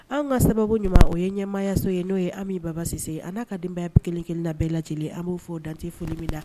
An ka sababu ɲuman o ye ɲɛmaayaso ye n'o ye an' babasise a n'a ka denbaya kelenkelen la bɛɛ lajɛ lajɛlen an b' f fɔo dante foli bɛ la